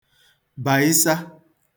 bàịsa